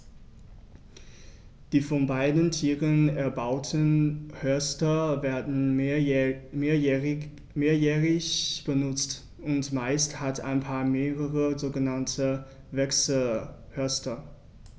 Die von beiden Tieren erbauten Horste werden mehrjährig benutzt, und meist hat ein Paar mehrere sogenannte Wechselhorste.